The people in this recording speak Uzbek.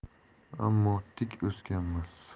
ammo tik o'sganmas